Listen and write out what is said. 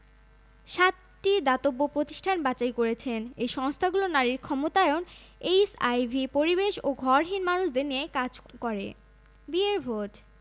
সাতটি দাতব্য প্রতিষ্ঠান বাছাই করেছেন এই সংস্থাগুলো নারীর ক্ষমতায়ন এইচআইভি পরিবেশ ও ঘরহীন মানুষদের নিয়ে কাজ করে বিয়ের ভোজ